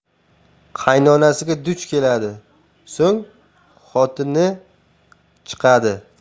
qaynonasiga duch keladi so'ng xotini chiqadi